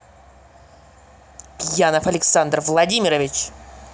пьянов алексей владимирович